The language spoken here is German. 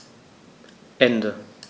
Ende.